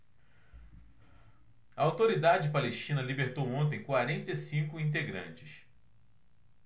a autoridade palestina libertou ontem quarenta e cinco integrantes